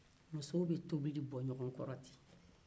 muso bɛ tobili bɔ ɲɔgɔn kɔrɔ ten de